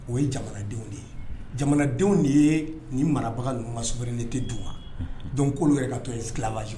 O ye jamanadenw de ye jamanadenw de ye ni marabaga masri ne tɛ' u ma dɔnku' yɛrɛ ka to ye tilaba kojugu